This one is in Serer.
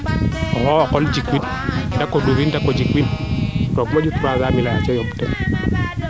o xooxo qol jik win dako duufin dako jik win roog moƴu waaga